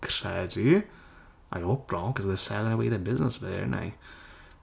Credu. I hope not because they're selling away their buisness there aren't they.